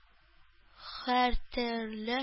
Һәртөрле